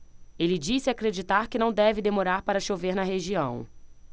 ele disse acreditar que não deve demorar para chover na região